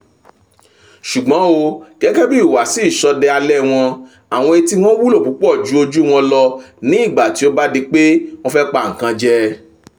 Ṣùgbọ́n o, gẹ́gẹ́bí ìhùwàsí ìṣọdẹ alẹ̀ wọn, Àwọn etí wọn wúlò púpọ̀ ju ojú wọn lọ ní ìgbà tí ó bá dí pé wọn fẹ́ pa ńkan jẹ.